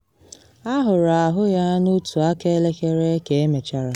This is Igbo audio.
Ahụrụ ahụ ya n’otu aka elekere ka emechara.